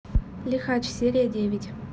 лихач серия девять